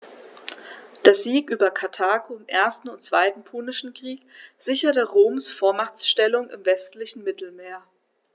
Der Sieg über Karthago im 1. und 2. Punischen Krieg sicherte Roms Vormachtstellung im westlichen Mittelmeer.